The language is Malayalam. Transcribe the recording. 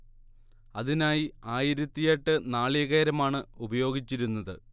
അതിനായി ആയിരത്തിയെട്ട് നാളികേരമാണ് ഉപയോഗിച്ചിരുന്നത്